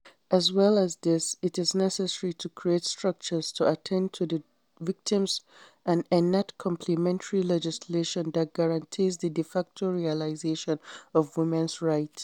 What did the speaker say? As well as this, it is necessary to create structures to attend to the victims and enact complementary legislation that guarantees de facto realization of women’s rights.